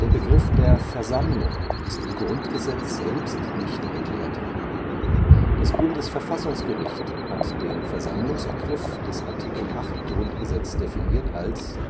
Begriff der Versammlung ist im Grundgesetz selbst nicht erklärt. Das Bundesverfassungsgericht hat den Versammlungsbegriff des Art. 8 GG definiert als